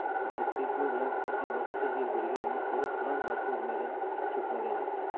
asadbek u bilan salkam o'ttiz yil birga umr ko'rib biron marta urmagan so'kmagan edi